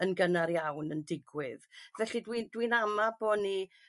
yn gynnar iawn yn digwydd felly dwi dwi'n ama bo' ni